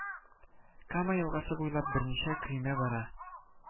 Кама елгасы буйлап берничә көймә бара